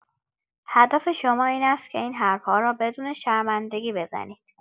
هدف شما این است که این حرف‌ها را بدون شرمندگی بزنید.